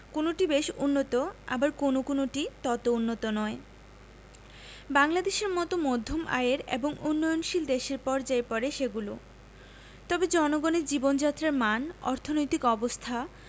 কোনটি বেশ উন্নত আবার কোনো কোনোটি তত উন্নত নয় বাংলাদেশের মতো মধ্যম আয়ের এবং উন্নয়নশীল দেশের পর্যায়ে পড়ে সেগুলো তবে জনগণের জীবনযাত্রার মান অর্থনৈতিক অবস্থা